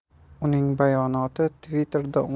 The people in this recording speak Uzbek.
uning bayonoti twitter'da